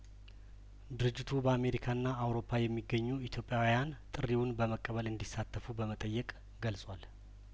ድርጅቱ በአሜሪካና አውሮፓ የሚገኙ ኢትዮጵያውያን ጥሪውን በመቀበል እንዲ ሳተፉ በመጠየቅ ገልጿል